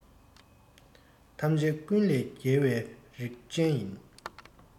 ཐམས ཅད ཀུན ལས རྒྱལ བའི རིག ཅན ཡིན